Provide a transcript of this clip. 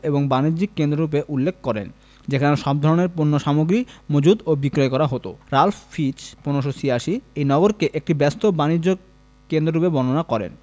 বং বাণিজ্যকেন্দ্ররূপে উল্লেখ করেন যেখানে সব ধরনের পণ্যসামগ্রী মজুত ও বিক্রয় করা হতো রালফ ফিচ ১৫৮৬ এই নগরকে একটি ব্যস্ত বাণিজ্যকেন্দ্ররূপে বর্ণনা করেন